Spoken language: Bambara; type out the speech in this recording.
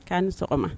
K'a ni sɔgɔma